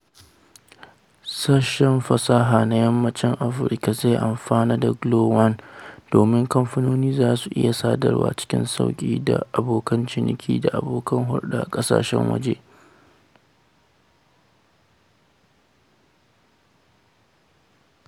Sashen fasaha a Yammacin Afirka zai amfana da Glo-1 domin kamfanoni za su iya sadarwa cikin sauƙi da abokan ciniki da abokan hulɗa a ƙasashen waje.